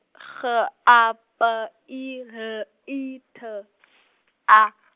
G A P I L I T , A .